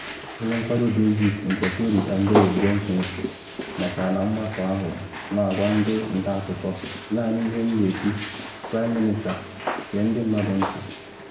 Onye nkwado Brexit nke Tory Andrea Jenkyns nọkwa na mgbakọ ahụ, na agwa ndị nta akụkọ: ‘Naanị ihe m na ekwu: Praịm Minista, gee ndị mmadụ ntị.